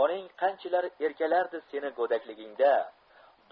onang qanchalar erkalardi seni go'dakligingda